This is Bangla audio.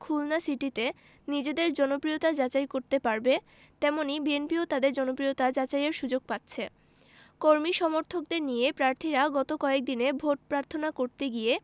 খুলনা সিটিতে নিজেদের জনপ্রিয়তা যাচাই করতে পারবে তেমনি বিএনপিও তাদের জনপ্রিয়তা যাচাইয়ের সুযোগ পাচ্ছে কর্মী সমর্থকদের নিয়ে প্রার্থীরা গত কয়েক দিনে ভোট প্রার্থনা করতে গিয়ে